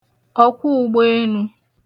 ọ̀kwọụgbọenū